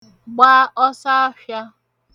gba ọsọafhịā